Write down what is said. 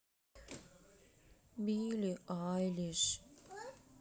билли айлиш